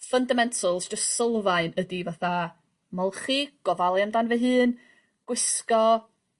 fundamentals jyst sylfaen ydi fatha molchi gofalu amdan dy hun gwisgo